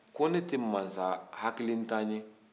ko ne tɛ masa hakilitan ye